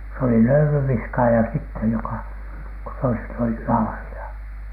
se oli löylynviskaaja sitten joka kun toiset olivat laarilla